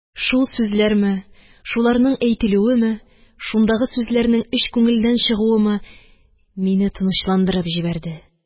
Шул сүзләрме, шуларның әйтелүеме, шундагы сүзләрнең эч күңелдән чыгуымы мине тынычландырып җибәрде.